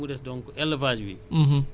kooku Yàlla moo ñu ko defal